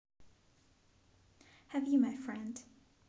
have you my friend